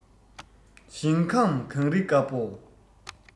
ཞིང ཁམས གངས རི དཀར པོ